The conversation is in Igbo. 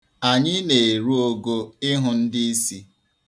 Anyị na-eru ogo ịhụ ndị isi.